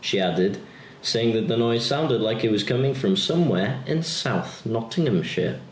She added, saying that the noise sounded like it was coming from somewhere in South Nottinghamshire.